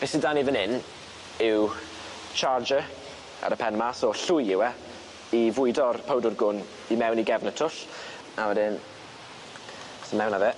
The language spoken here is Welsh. Be sy 'dan ni fan hyn yw charger ar y pen 'ma so llwy yw e i fwydo'r powdwr gwn i mewn i gefn y twll a wedyn sy mewn â fe.